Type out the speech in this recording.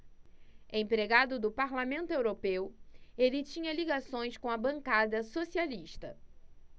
empregado do parlamento europeu ele tinha ligações com a bancada socialista